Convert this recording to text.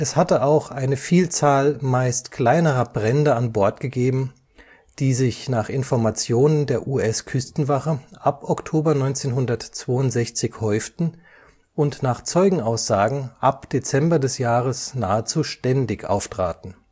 hatte auch eine Vielzahl meist kleinerer Brände an Bord gegeben, die sich nach Informationen der US-Küstenwache ab Oktober 1962 häuften und nach Zeugenaussagen ab Dezember des Jahres nahezu ständig auftraten